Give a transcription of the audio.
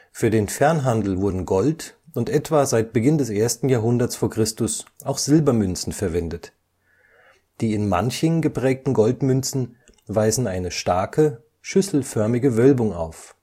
Für den Fernhandel wurden Gold - und etwa seit Beginn des 1. Jahrhunderts v. Chr. auch Silbermünzen verwendet. Die in Manching geprägten Goldmünzen weisen eine starke schüsselförmige Wölbung auf